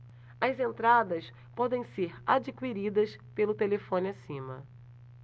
as entradas podem ser adquiridas pelo telefone acima